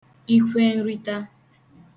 iwhenrita